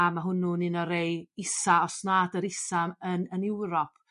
a ma' hwnnw'n un o rei isa os nad yr isa yn yn Ewrop.